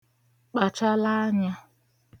kpàchala anyā